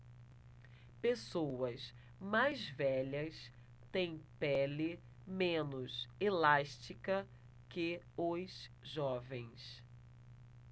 pessoas mais velhas têm pele menos elástica que os jovens